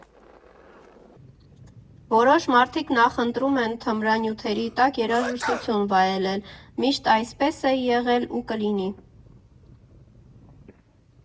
Որոշ մարդիկ նախընտրում են թմրանյութերի տակ երաժշտություն վայելել, միշտ այսպես է եղել ու կլինի։